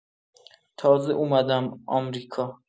تازه اومدم آمریکا